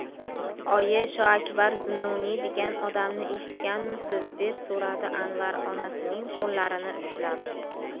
oyi shoakbar zunnuniy degan odamni eshitganmisiz deb so'radi anvar onasining qo'llarini ushlab